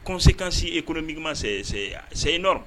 Ko sekan se e kolon biiman sɛyi nɔ